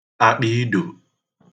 akpịido